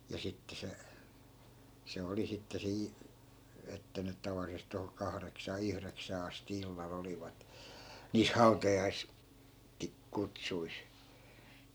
ja sitten se se oli sitten siinä että nyt tavallisesti tuohon kahdeksaan yhdeksään asti illalla olivat niissä -- hautajaiskutsuissa